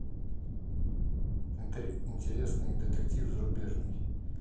интересный детектив зарубежный